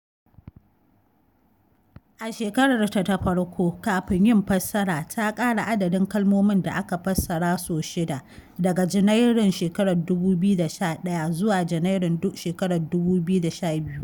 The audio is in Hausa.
A shekararta ta farko, kafar yin fassara ta ƙara adadin kalmomin da aka fassara sau shida (daga Junairun 2011 zuwa Junairun 2012).